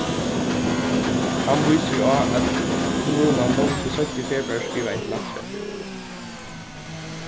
hann vísir á at kommunan longu seint í februar skrivaði til landsverk